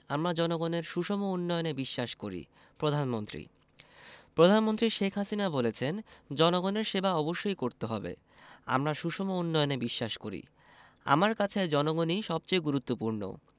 আমরা জনগণের সুষম উন্নয়নে বিশ্বাস করি প্রধানমন্ত্রী প্রধানমন্ত্রী শেখ হাসিনা বলেছেন জনগণের সেবা অবশ্যই করতে হবে আমরা সুষম উন্নয়নে বিশ্বাস করি আমার কাছে জনগণই সবচেয়ে গুরুত্বপূর্ণ